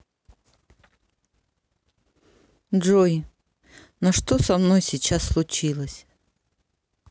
джой на что со мной сейчас случилось